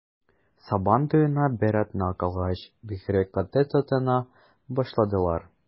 Сабан туена бер атна калгач, бигрәк каты тотына башладылар.